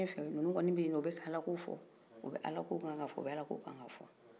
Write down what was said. nunun kɔni bɛye nɔn u bɛka ala ko fɔ u bɛ ala ko kan ka fɔ u bɛ ala ko kan ka fɔ